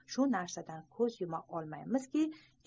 shu narsadan ko'z yuma olmaymizki